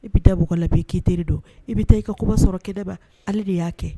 I bɛ da bɔ la bi i kitirieli don i bɛ taa i ka koba sɔrɔkɛba ale de y'a kɛ